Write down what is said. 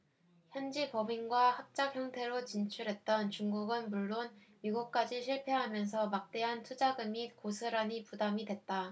현지법인과 합작형태로 진출했던 중국은 물론 미국까지 실패하면서 막대한 투자금이 고스란히 부담이 됐다